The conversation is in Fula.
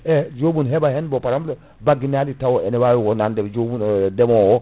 e jomum heɓa hen bo pa* bagguinali taw ene wawi wonande jomum deemowo o